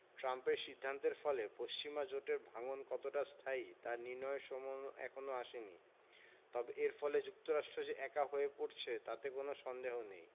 ট্রাম্পের সিদ্ধান্তের ফলে পশ্চিমা জোটের ভাঙন কতটা স্থায়ী তা নির্ণয়ের সময় এখনো আসেনি তবে এর ফলে যুক্তরাষ্ট্র যে একা হয়ে পড়ছে তাতে কোনো সন্দেহ নেই